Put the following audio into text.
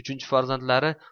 uchinchi farzandlari